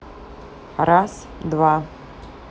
раз два